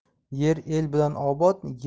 yer el bilan obod